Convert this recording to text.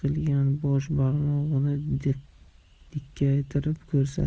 tiqilgan bosh barmog'ini dikkaytirib ko'rsatdi